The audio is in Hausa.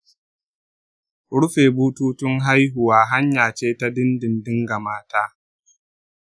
rufe bututun haihuwa hanya ce ta dindindin ga mata.